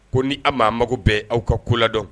Ko ni aw ma mago bɛɛ aw ka ko ladɔn